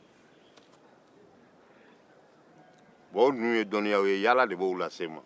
olu ye dɔnniyaw ye yaala de b'u lase n ma